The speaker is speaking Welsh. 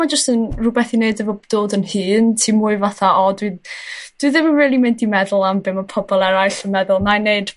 ma'n jyst un rwbeth i neud efo dod yn hŷn. Ti mwy fatha o dwi dwi ddim yn rili mynd i meddwl am be' ma' pobol eraill yn meddwl 'nai neud